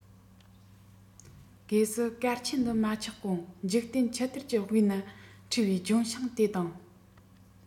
སྒོས སུ སྐལ ཆེན འདི མ ཆགས གོང འཇིག རྟེན ཆུ གཏེར གྱི དབུས ན འཁྲུངས པའི ལྗོན ཤིང དེ དང